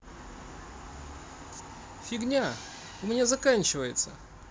фигня у меня заканчивается